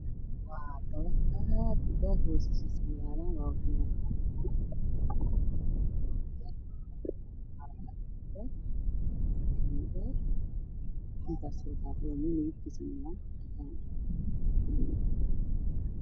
Waa dabaqyo aada u dhaadheer iyo kuwo yaryar oo midabbadoodu yihiin cadays iyo kuwa dhismo ku socoto oo ka dambeeyo